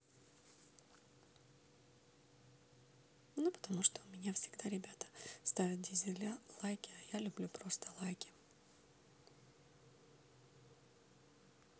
ну потому что у меня всегда ребята ставят дизель лайки а я люблю просто лайки